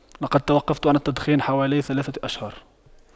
لقد توقفت عن التدخين حوالي ثلاثة أشهر